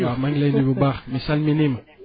waaw maa ngi lay nuyu bu baax